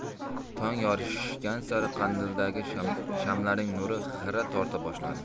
tong yorishgan sari qandildagi shamlarning nuri xira torta boshladi